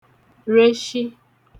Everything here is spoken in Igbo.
reshi